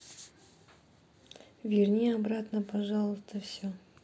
верни обратно пожалуйста все